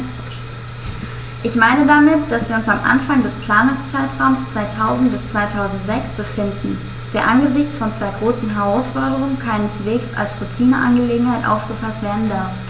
Ich meine damit, dass wir uns am Anfang des Planungszeitraums 2000-2006 befinden, der angesichts von zwei großen Herausforderungen keineswegs als Routineangelegenheit aufgefaßt werden darf.